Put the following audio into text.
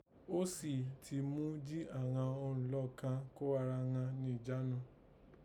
Ó sì ti mú jí àghan òǹlò kan kò ara ghan ni ìjánu